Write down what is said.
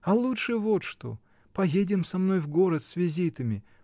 А лучше вот что: поедем со мной в город с визитами.